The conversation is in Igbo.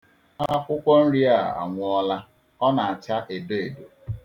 Akwụkwọ nri a anwụọla, ọ na-acha edo edo.